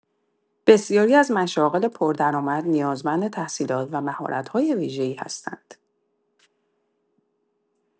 بسیاری از مشاغل پردرآمد نیازمند تحصیلات و مهارت‌های ویژه‌ای هستند.